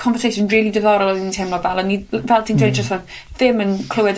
conversation rili diddorol o'n i'n teimlo fel, o'n i l- fel ti'n dweud jyst nawr, ddim yn clywed